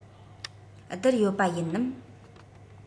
བསྡུར ཡོད པ ཡིན ནམ